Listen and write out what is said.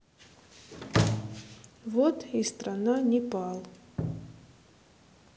вот и страна непал